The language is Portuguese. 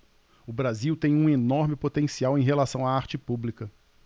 o brasil tem um enorme potencial em relação à arte pública